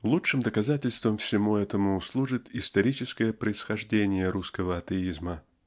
Лучшим доказательством всему этому служит историческое происхождение русского атеизма.